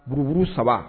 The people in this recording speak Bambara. Buru saba